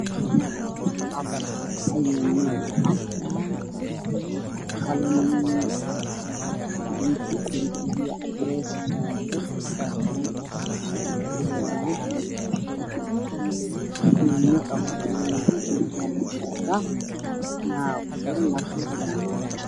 Waa make up ayi nuuc ah qalin, gaduud, cadeys, jaale, qaxwi iyo fiyool. Naaga kusawiran waana cadaan.